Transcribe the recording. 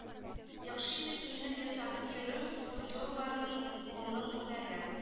Яхшы итеп киенеп-ясанып йөрү культуралы булуның үрнәге